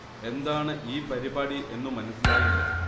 എന്താണ് ഈ പരിപാടി എന്നു മനസ്സിലായില്ല